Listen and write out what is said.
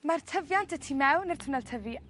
Mae'r tyfiant y tu mewn i'r twnnel tyfu